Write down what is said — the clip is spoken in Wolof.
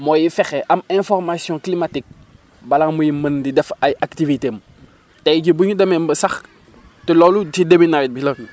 mooy fexe am information climatique balaa muy mën di def ay activités am tey jii bu ñu demee ba sax te loolu ci début nawet bi la